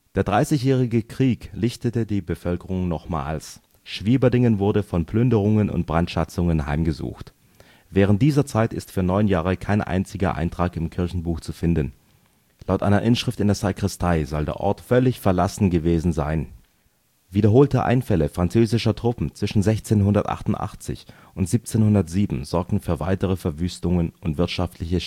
Der Dreißigjährige Krieg lichtete die Bevölkerung nochmals. Schwieberdingen wurde von Plünderungen und Brandschatzungen heimgesucht. Während dieser Zeit ist für neun Jahre kein einziger Eintrag im Kirchenbuch zu finden. Laut einer Inschrift in der Sakristei soll der Ort völlig verlassen gewesen sein. Wiederholte Einfälle französischer Truppen zwischen 1688 und 1707 sorgten für weitere Verwüstungen und wirtschaftliche